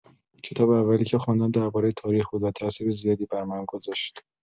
کتاب اولی که خواندم درباره تاریخ بود و تأثیر زیادی بر من گذاشت.